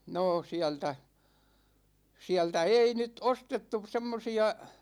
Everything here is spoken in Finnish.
no sieltä sieltä ei nyt ostettu semmoisia